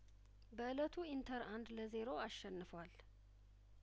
በእለቱ ኢንተር አንድ ለዜሮ አሸንፏል